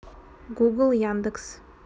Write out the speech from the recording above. google яндекс